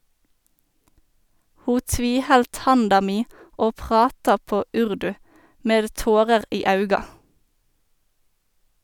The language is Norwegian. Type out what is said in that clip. Ho tviheldt handa mi og prata på urdu, med tårer i auga.